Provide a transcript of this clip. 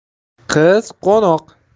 qiz qo'noq